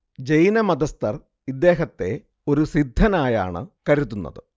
ജൈനമതസ്തർ ഇദ്ദേഹത്തെ ഒരു സിദ്ധനായാണ് കരുതുന്നത്